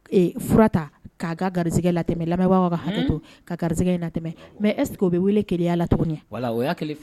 Garigɛ la garigɛ mɛ e bɛ wele keya la tuguni